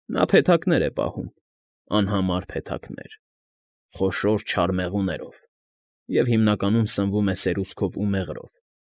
Նա փեթակներ է պահում, անհամար փեթակներ՝ խոշոր չար մեղուներով, և հիմնականում սնվում է սերուցքով ու մեղրով։